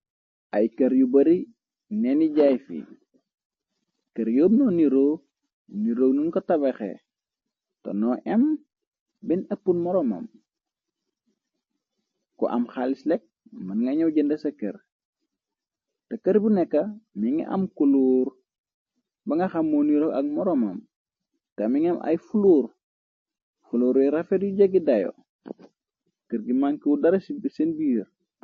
Ay kër yu bari neeni jaay fi kër yób noo niro niroo nan ko tabaxe tonoo im benn ëppul moroomam ko am xaalislekk mën nga ñaw jënde ca kër te kër bu nekka mi nga am kulour ba nga xammoo niroo ak moroomam te mi ngam ay fluur flouruy rafet yu jegi dayo kër gi mànk bu dara c seen biir.